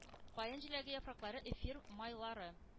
- каен җиләге яфраклары эфир майлары,